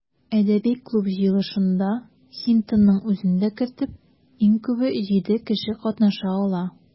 Әдәби клуб җыелышында, Хинтонның үзен дә кертеп, иң күбе җиде кеше катнаша ала.